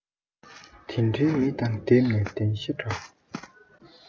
དེ འདྲའི མི དང བསྡེབས ནས བསྡད གཞན འདྲ